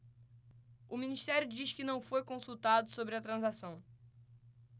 o ministério diz que não foi consultado sobre a transação